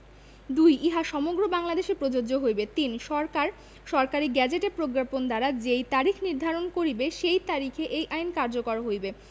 ২ ইহা সমগ্র বাংলাদেশে প্রযোজ্য হইবে ৩ সরকার সরকারী গেজেটে প্রজ্ঞাপন দ্বারা যেই তারিখ নির্ধারণ করিবে সেই তারিখে এই আইন কার্যকর হইবে